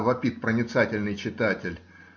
вопит проницательный читатель,